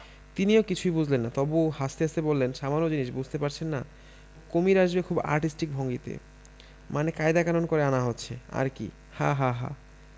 তিনিও কিছুই বুঝলেন না তবু হাসতে হাসতে বললেন সামান্য জিনিস বুঝতে পারছেন না কুমীর আসবে খুব আর্টিস্টিক ভঙ্গিতে মানে কায়দা কানুন করে আনা হচ্ছে আর কি হা হা হা